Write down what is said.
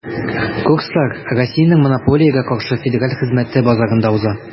Курслар Россиянең Монополиягә каршы федераль хезмәте базасында уза.